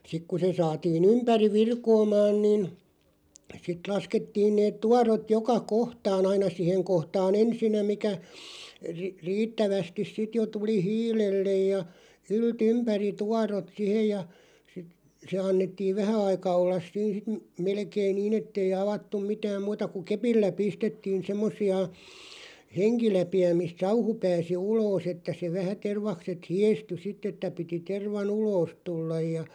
sitten kun se saatiin ympäri virkoamaan niin sitten laskettiin ne tuorot joka kohtaan aina siihen kohtaan ensinnä mikä - riittävästi sitten jo tuli hiilelle ja ylt ympäri tuorot siihen ja sitten se annettiin vähän aika olla siinä sitten - melkein niin että ei avattu mitään muuta kuin kepillä pistettiin semmoisia henkiläpiä mistä sauhu pääsi ulos että se vähän tervakset hiestyi sitten että piti tervan ulos tulla ja